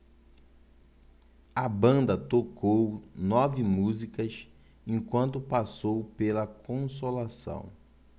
a banda tocou nove músicas enquanto passou pela consolação